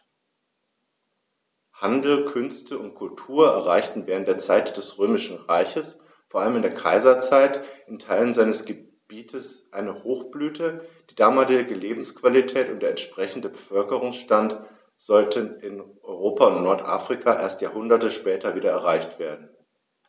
Handel, Künste und Kultur erreichten während der Zeit des Römischen Reiches, vor allem in der Kaiserzeit, in Teilen seines Gebietes eine Hochblüte, die damalige Lebensqualität und der entsprechende Bevölkerungsstand sollten in Europa und Nordafrika erst Jahrhunderte später wieder erreicht werden.